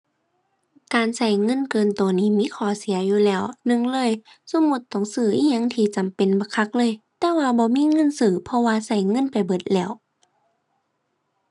การใช้เงินเกินใช้นี่มีข้อเสียอยู่แล้ว หนึ่งเลย สมมุติต้องซื้ออิหยังที่จำเป็นบักคักเลย แต่ว่าบ่มีเงินซื้อ เพราะว่าใช้เงินไปเบิดแล้ว